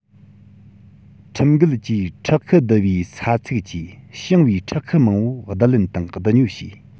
ཁྲིམས འགལ གྱིས ཁྲག ཁུ བསྡུ བའི ས ཚུགས ཀྱིས ཞིང བའི ཁྲག ཁུ མང པོ བསྡུ ལེན དང བསྡུ ཉོ བྱས